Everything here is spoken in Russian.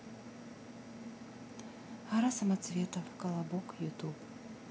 гора самоцветов колобок ютуб